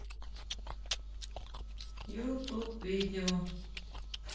ютуб видео